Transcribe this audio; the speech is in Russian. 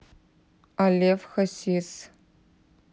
а лев хасис